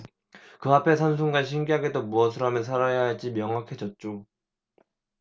그 앞에 선 순간 신기하게도 무엇을 하며 살아야 할지 명확해졌죠